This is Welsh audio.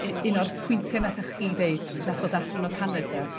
u- un o'r pwyntia nathoch chi deud nath dod allan o Canada...